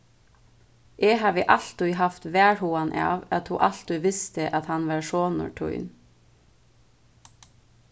eg havi altíð havt varhugan av at tú altíð visti at hann var sonur tín